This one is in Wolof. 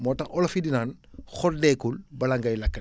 moo tax olof yi di naan xoddeekul balaa ngay lakkle